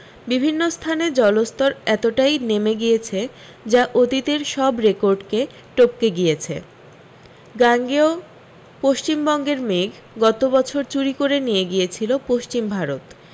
বিভিন্ন স্থানে জলস্তর এতটাই নেমে গিয়েছে যা অতীতের সব রেকর্ডকে টপকে গিয়েছে গাঙ্গেয় পশ্চিমবঙ্গের মেঘ গত বছর চুরি করে নিয়ে গিয়েছিল পশ্চিম ভারত